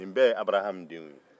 ninnu bɛɛ ye abarahamu denw ye